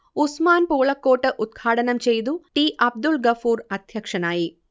ഉസ്മാൻ പൂളക്കോട്ട് ഉദ്ഘാടനം ചെയ്തു, ടി അബ്ദുൾഗഫൂർ അധ്യക്ഷനായി